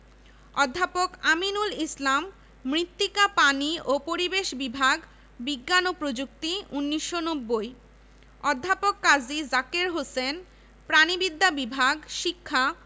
অধ্যাপক আমিনুল ইসলাম মৃত্তিকা পানি ও পরিবেশ বিভাগ বিজ্ঞান ও প্রযুক্তি ১৯৯০ অধ্যাপক কাজী জাকের হোসেন প্রাণিবিদ্যা বিভাগ শিক্ষা